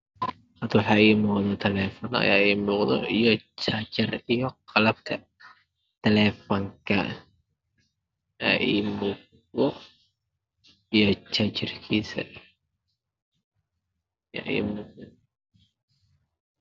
Halkan waxa igamuqdo talefen io jajiro io qalabka talefanka aa imuqdo io jaajirkis aya imuqdo